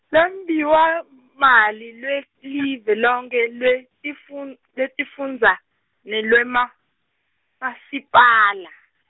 lwabiwomali lwelive lonkhe lwetifun- lwetifundza, nelwema- Masipala.